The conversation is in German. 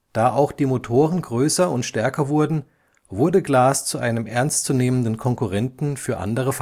Da auch die Motoren größer und stärker wurden, wurde Glas zu einem ernstzunehmenden Konkurrenten für andere